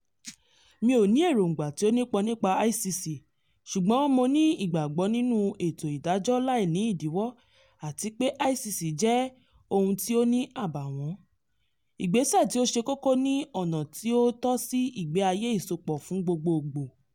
Mi ò ní èròńgbà tí ó nípọn nípa ICC, ṣùgbọ́n mo ní ìgbàgbọ́ nínú ètò ìdájọ́ láì ni ìdíwọ́, àti pé ICC jẹ́ (ohun tí ó ní àbàwọ́n) ìgbésẹ̀ tí ó ṣe kókó ni ọ̀nà tí ó tọ́ sí ìgbé ayé ìsopọ̀ fún gbogbogbò